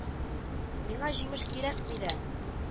– миңа җимеш кирәкми дә